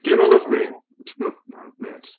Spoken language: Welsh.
"Do you not love me?" Wel, mêt.